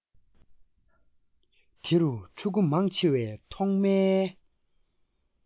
དེ རུ ཕྲུ གུ མང ཆེ བའི ཐོག མའི